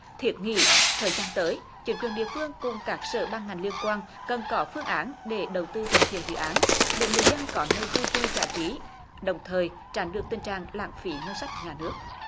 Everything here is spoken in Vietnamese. thiết nghĩ thời gian tới chính quyền địa phương cùng các sở ban ngành liên quan cần có phương án để đầu tư hoàn thiện dự án để người dân có nơi vui chơi giải trí đồng thời tránh được tình trạng lãng phí ngân sách nhà nước